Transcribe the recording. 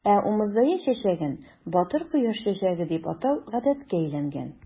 Ә умырзая чәчәген "батыр кояш чәчәге" дип атау гадәткә әйләнгән.